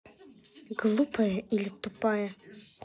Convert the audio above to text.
глупая или тупая